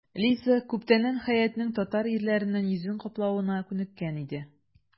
Лиза күптәннән Хәятның татар ирләреннән йөзен каплавына күнеккән иде.